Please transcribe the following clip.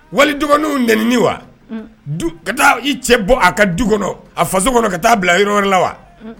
Wali dɔgɔninw nt wa ka taa i cɛ bɔ a ka du kɔnɔ a faso kɔnɔ ka taa bila yɔrɔ la wa